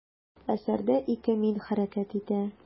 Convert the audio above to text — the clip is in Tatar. Әсәрдә ике «мин» хәрәкәт итә.